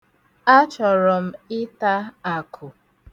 Achọrọ m ịta akụ.